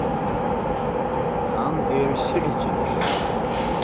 hann er syrgiligur